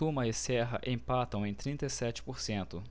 tuma e serra empatam em trinta e sete por cento